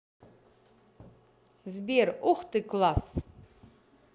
сбер ух ты класс